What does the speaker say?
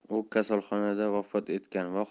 u kasalxonada vafot etgan va